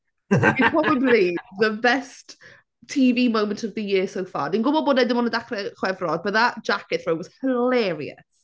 is probably the best TV moment of the year so far. Dwi'n gwybod bod e ddim ond yn dechrau Chwefror but that jacket throw was hilarious.